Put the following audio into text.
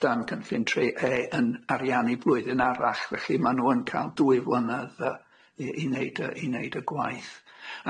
'can cynllun tri e yn ariannu blwyddyn arall felly ma' nw yn ca'l dwy flynedd yy i i neud y i neud y gwaith.